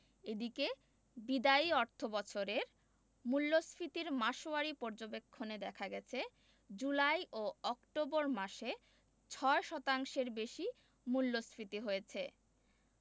এদিকে বিদায়ী অর্থবছরের মূল্যস্ফীতির মাসওয়ারি পর্যবেক্ষণে দেখা গেছে জুলাই ও অক্টোবর মাসে ৬ শতাংশের বেশি মূল্যস্ফীতি হয়েছে